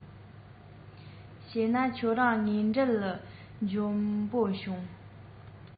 བྱས ན ཁྱེད རང དངོས འབྲེལ འཇོན པོ བྱུང